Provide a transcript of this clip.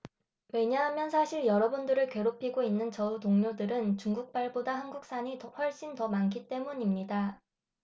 왜냐하면 사실 여러분들을 괴롭히는 저의 동료들은 중국발보다 한국산이 훨씬 더 많기 때문입니다